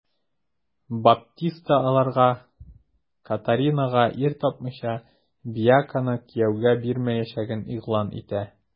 Баптиста аларга, Катаринага ир тапмыйча, Бьянканы кияүгә бирмәячәген игълан итә.